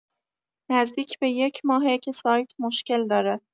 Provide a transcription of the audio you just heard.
نزدیک به یک‌ماهه که سایت مشکل داره